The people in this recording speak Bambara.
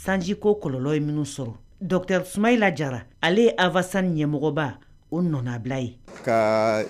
Sanjiko kɔlɔlɔ ye minnu sɔrɔ, docteur Sumala Jara, ale ye AVASAN ɲɛmɔgɔba o nɔnabila ye k'aa